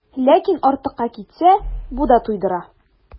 Ләкин артыкка китсә, бу да туйдыра.